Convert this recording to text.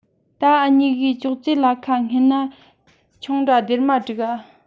ད ངུ གཉིས ཀས ཅོག ཅེ ལ ཁ སྔན ན ཆུང ར སྡེར མ སྒྲིག ར